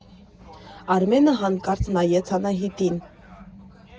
Արմենը հանկած նայեց Անահիտին։